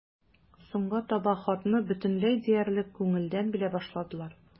Соңга таба хатны бөтенләй диярлек күңелдән белә башладылар.